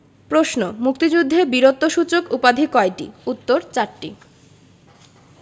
প্রশ্ন মুক্তিযুদ্ধে বীরত্বসূচক উপাধি কয়টি উত্তর চারটি